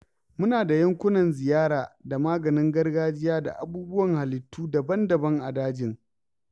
Muna da yankunan ziyara da maganin gargajiya da abubuwan halittu daban-daban a dajin.